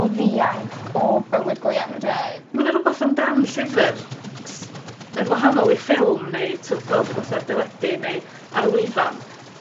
o ddianc o bywyd go iawn on'd yw e? Ma' 'na rwbath am dan llyfyr s- yn wahanol i ffilm neu t'od gweld rwbath ar deledu neu ar lwyfan